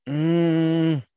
Mm!